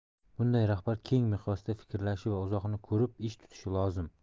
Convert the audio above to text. bunday rahbar keng miqyosda fikrlashi va uzoqni ko'rib ish tutishi lozim